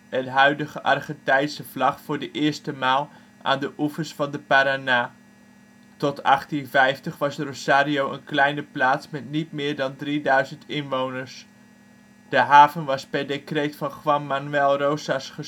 en huidige Argentijnse vlag voor de eerste maal aan de oevers van de Paraná. Tot 1850 was Rosario een kleine plaats met niet meer dan 3.000 inwoners. De haven was per decreet van Juan Manuel Rosas